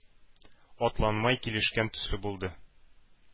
Атланмай килешкән төсле булды.